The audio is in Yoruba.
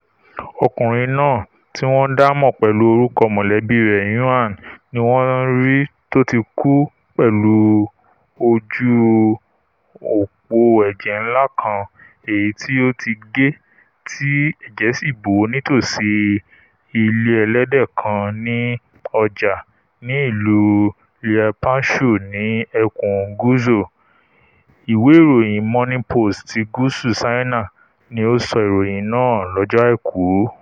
Ọkùnrin náà, tí wọ́n dá mọ̀ pẹ̀lú orúkọ mọ̀lẹ́bí rẹ̀ ''Yuan,'' ni wọ́n rí tóti kù pẹ̀lú ojú-òpó ẹ̀jẹ̀ ńlá kan èyití ó ti gé, tí ẹ̀jẹ̀ sì bò ó nítòsì ilé ẹlẹ́dẹ̀ kan ní ọjà ní ìlú Liupanshui ní ẹkùn Guizhou, ìwé ìròyín Morning Post ti Gúúsù Ṣáínà ni o sọ íròyìn naa lọ́jọ́ Àìkú.